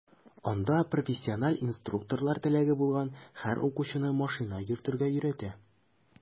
Анда профессиональ инструкторлар теләге булган һәр укучыны машина йөртергә өйрәтә.